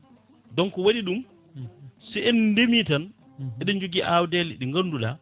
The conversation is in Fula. donc waɗi ɗum si en ndeemi tan eɗen jogui awɗele ɗe ganduɗa